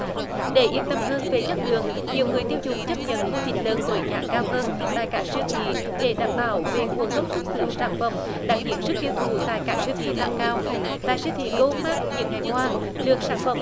để yên tâm hơn về chất lượng nhiều người tiêu dùng chấp nhận mua thịt lợn với giá cao hơn tại các siêu thị để đảm bảo về nguồn gốc xuất xứ sản phẩm đạt hiệu suất tiêu thụ tại các siêu thị tăng cao tại siêu thị cóp mác những ngày qua lượng sản phẩm